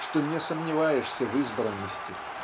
что не сомневаешься в избранности